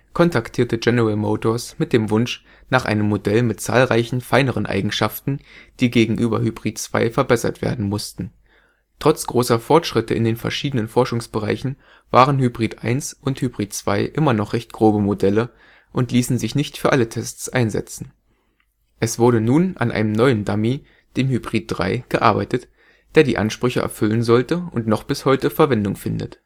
kontaktierte General Motors mit dem Wunsch nach einem Modell mit zahlreichen, feineren Eigenschaften, die gegenüber Hybrid II verbessert werden mussten. Trotz großer Fortschritte in den verschiedenen Forschungsbereichen waren Hybrid I und Hybrid II immer noch recht grobe Modelle und ließen sich nicht für alle Tests einsetzen. Es wurde nun an einem neuen Dummy – dem Hybrid III – gearbeitet, der die Ansprüche erfüllen sollte, und noch bis heute Verwendung findet